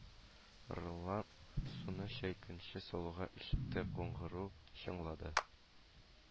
Рылган суны чәйнеккә салуга, ишектә кыңгырау чыңлады